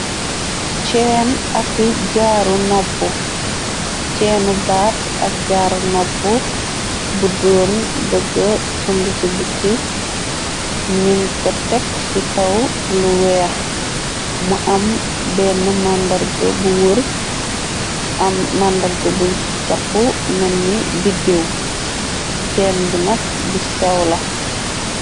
Cheen ak jaaru noppu ceenu baat ak jaaru nopp bu doon bëgga sungu ci bukki nun ko tekk ci kaw lu weex mu am benn màndarg bu wër am màndarga buñ ci capp menni biddew cenn bi nak bu sew la.